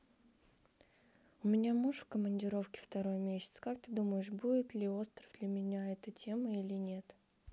у меня муж в командировки второй месяц как ты думаешь будет ли остров для меня эта тема или нет